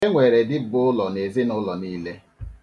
E nwere dibụlọ n'ezinụlọ niile.